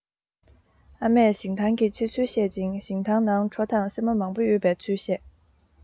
ཨ མས ཞིང ཐང གི ཆེ ཚུལ བཤད ཅིང ཞིང ཐང ན གྲོ དང སྲན མ མང པོ ཡོད ཚུལ བཤད